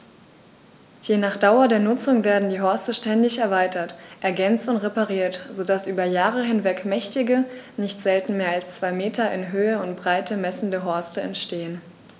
Je nach Dauer der Nutzung werden die Horste ständig erweitert, ergänzt und repariert, so dass über Jahre hinweg mächtige, nicht selten mehr als zwei Meter in Höhe und Breite messende Horste entstehen.